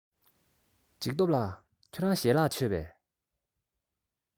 འཇིགས སྟོབས ལགས ཁྱེད རང ཞལ ལག མཆོད པས